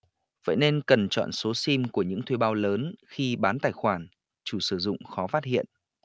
vậy nên cần chọn số sim của những thuê bao lớn khi bán tài khoản chủ sử dụng khó phát hiện